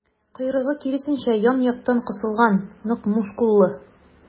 Койрыгы, киресенчә, ян-яктан кысылган, нык мускуллы.